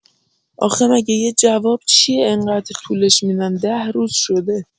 آخه مگه یه جواب چیه اینقدر طولش می‌دن ۱۰ روز شده